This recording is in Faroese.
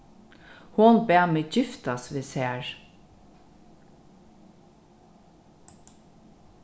hon bað meg giftast við sær